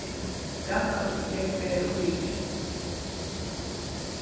grannauppgerð verður um vikuskiftið